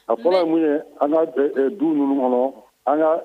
A fɔra ye mun ye an k'a du ninnu kɔnɔ an'